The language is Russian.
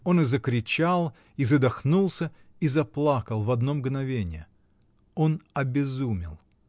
Он и закричал, и задохнулся, и заплакал в одно мгновение. Он обезумел.